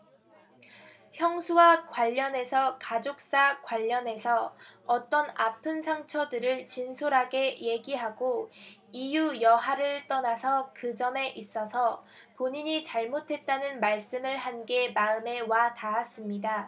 형수와 관련해서 가족사 관련해서 어떤 아픈 상처들을 진솔하게 얘기하고 이유 여하를 떠나서 그 점에 있어서 본인이 잘못했다는 말씀을 한 게 마음에 와 닿았습니다